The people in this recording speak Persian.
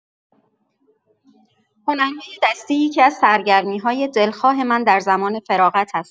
هنرهای دستی یکی‌از سرگرمی‌های دلخواه من در زمان فراغت است.